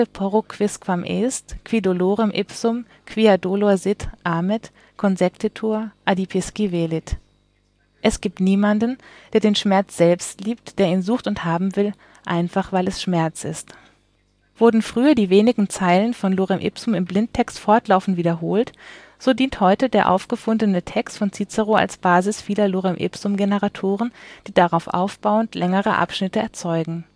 porro quisquam est, qui dolorem ipsum, quia dolor sit, amet, consectetur, adipisci velit […] “(Es gibt niemanden, der den Schmerz selbst liebt, der ihn sucht und haben will, einfach, weil es Schmerz ist […]). Wurden früher die wenige Zeilen von „ Lorem Ipsum “im Blindtext fortlaufend wiederholt, so dient heute der aufgefundene Text von Cicero als Basis vieler Lorem-Ipsum Generatoren, die darauf aufbauend längere Abschnitte erzeugen